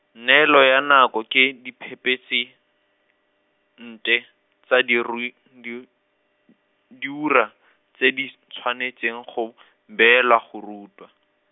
neelo ya nako ke diphepe- -sente, tsa dirui-, di-, diura, tse ditshwanetseng go , beelwa go rutwa.